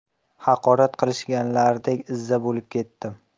haqorat qilishganlaridek izza bo'lib ketdim